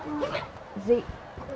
dị